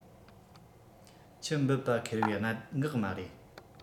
ཆུ འབུད པ ཁེར བོའི གནད འགག མ རེད